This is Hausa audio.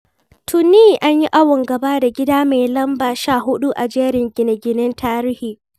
Tuni an yi awon gaba da gida mai lamba 14 a jerin gine-ginen tarihi.